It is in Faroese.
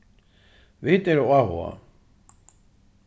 vit eru áhugað